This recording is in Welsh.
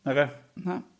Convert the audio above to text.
Nagoedd?... Na.